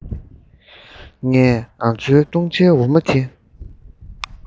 ངས ང ཚོས བཏུང བྱའི འོ མ དེ